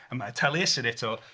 A mae Taliesin eto...